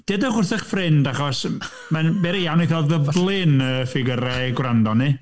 Deudwch wrth eich ffrind, achos mae'n debyg iawn wneith o ddyblu'n ffigurau gwrando ni.